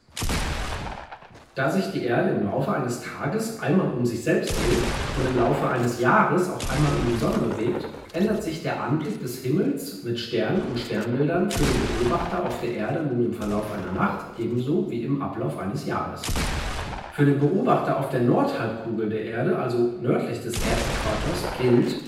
Da sich die Erde im Laufe eines Tages einmal um sich selbst dreht und im Laufe eines Jahres auch einmal um die Sonne bewegt, ändert sich der Anblick des Himmels mit Sternen und Sternbildern für den Beobachter auf der Erde nun im Verlauf einer Nacht ebenso wie im Ablauf eines Jahres. Für den Beobachter auf der Nordhalbkugel der Erde (nördlich des Erdäquators) gilt